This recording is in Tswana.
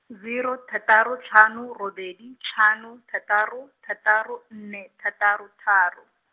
zero, thataro tlhano robedi, tlhano, thataro, thataro, nne, thataro, tharo.